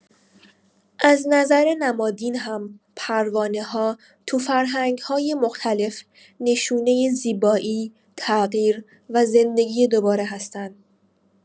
از نظر نمادین هم پروانه‌ها تو فرهنگ‌های مختلف نشونه زیبایی، تغییر و زندگی دوباره هستن.